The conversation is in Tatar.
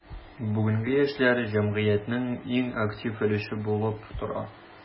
Бүгенге яшьләр – җәмгыятьнең иң актив өлеше булып тора.